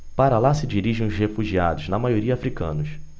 para lá se dirigem os refugiados na maioria hútus